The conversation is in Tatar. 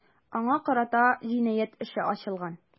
Аңа карата җинаять эше ачылган.